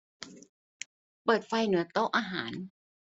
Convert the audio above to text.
เปิดไฟเหนือโต๊ะอาหาร